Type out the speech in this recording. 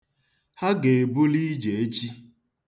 Ha ga-ebuli ije echi.